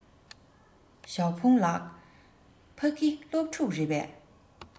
ཞའོ ཧྥུང ལགས ཕ གི སློབ ཕྲུག རེད པས